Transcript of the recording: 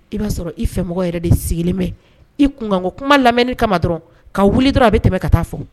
I b'a sɔrɔ i fɛ mɔgɔ yɛrɛ de sigilen mɛn i kunko kuma lamɛninini kama dɔrɔn ka wuli dɔrɔn a bɛ tɛmɛ ka taa fɔ